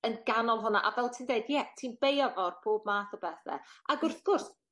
Yn ganol honna. A fel ti'n deud ie ti'n beio fo ar pob math o bethe. Ag wrth gwrs